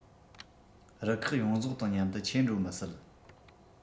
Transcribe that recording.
རུ ཁག ཡོངས རྫོགས དང མཉམ དུ འཁྱེར འགྲོ མི སྲིད